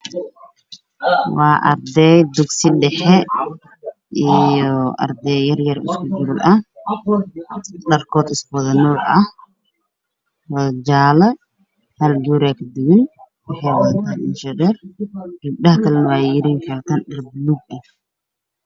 Waarday gabdho ah oo wataan xijaabo jaalo xijaabo buluug derbiga ka dambeeya waa albaab